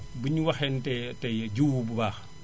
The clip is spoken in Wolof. bu ñu waxantee tay jiwu bu baax